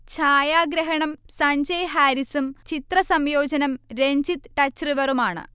ഛായാഗ്രഹണം സഞ്ജയ് ഹാരിസും ചിത്രസംയോജനം രഞ്ജിത്ത് ടച്ച്റിവറുമാണ്